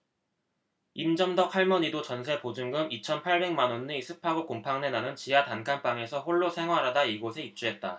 임점덕 할머니도 전세 보증금 이천 팔백 만원의 습하고 곰팡내 나는 지하 단칸방에서 홀로 생활하다 이곳에 입주했다